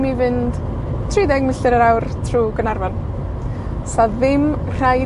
mi fynd tri deg milltir yr awr trw Gaernarfon, 'sa ddim rhaid